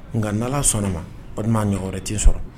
Nka na sɔnna ma o de'a ɲ wɛrɛ ten sɔrɔ